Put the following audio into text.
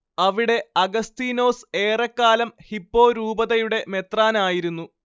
അവിടെ അഗസ്തീനോസ് ഏറെക്കാലം ഹിപ്പോ രൂപതയുടെ മെത്രാനായിരിരുന്നു